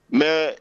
Mais